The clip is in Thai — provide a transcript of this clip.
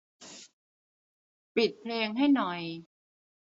ปิดเพลงให้หน่อย